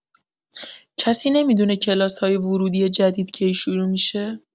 کسی نمی‌دونه کلاس‌های ورودی جدید کی شروع می‌شه؟